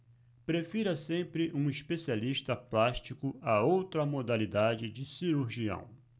prefira sempre um especialista plástico a outra modalidade de cirurgião